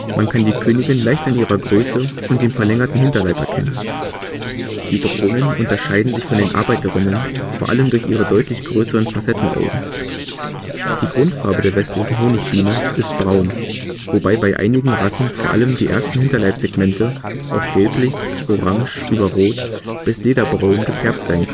Man kann die Königin leicht an ihrer Größe und dem verlängerten Hinterleib erkennen. Die Drohnen unterscheiden sich von den Arbeiterinnen vor allem durch ihre deutlich größeren Facettenaugen. Die Grundfarbe der Westlichen Honigbiene ist braun, wobei bei einigen Rassen vor allem die ersten Hinterleibssegmente auch gelblich, orange über rot bis lederbraun gefärbt sein können